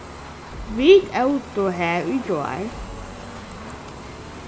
vit ótu har í gjár